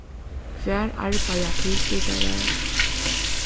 hvar arbeiða tilflytarar